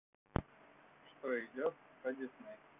что идет по дисней